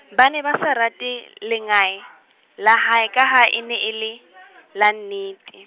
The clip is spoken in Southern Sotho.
ba ne ba sa rate lengae, la hae, ka ha e ne e le, la nnete.